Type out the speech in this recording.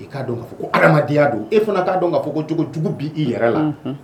I k'a dɔn ka ko fɔ ko adamadenya don, e fana k'a dɔn k'a fɔ kojugu bɛ i yɛrɛ la; unhun.